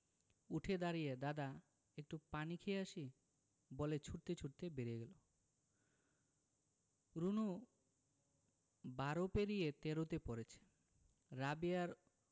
উঠে দাড়িয়ে দাদা একটু পানি খেয়ে আসি বলে ছুটতে ছুটতে বেরিয়ে গেল রুনু বারো পেরিয়ে তেরোতে পড়েছে রাবেয়ার